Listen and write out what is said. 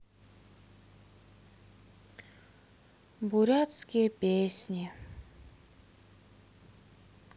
бурятские песни